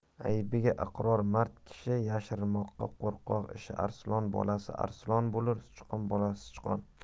aybiga iqror mard kishi yashirmoq qo'rqoq ishi arslon bolasi arslon bo'lur sichqon bolasi sichqon